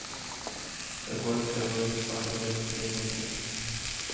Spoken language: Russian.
какой второй закон робототехники